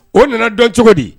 O nana dɔn cogo di